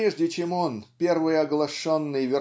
прежде чем он первый оглашенный